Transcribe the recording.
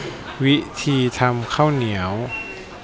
วิธีทำข้าวเหนียว